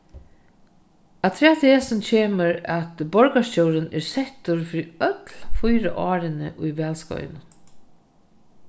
afturat hesum kemur at borgarstjórin er settur fyri øll fýra árini í valskeiðinum